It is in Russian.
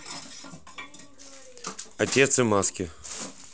отец и маски